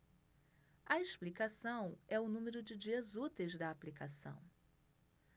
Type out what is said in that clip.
a explicação é o número de dias úteis da aplicação